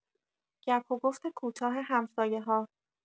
گپ و گفت کوتاه همسایه‌ها